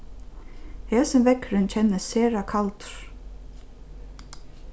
hesin veggurin kennist sera kaldur